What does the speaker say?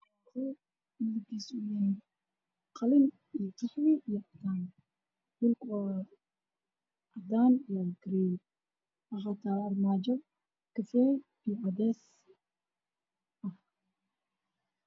Waa qol midabkiisu uu yahay qalin, qaxwi iyo cadaan, dhulka waa cadaan iyo garee waxaa taalo armaajo kafay iyo cadeys ah.